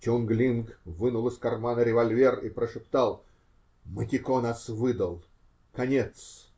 Чун-Линг вынул из кармана револьвер и прошептал: -- Матико нас выдал. Конец!